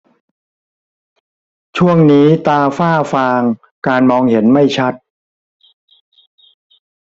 ช่วงนี้ตาฝ้าฟางการมองเห็นไม่ชัด